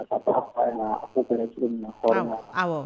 Saba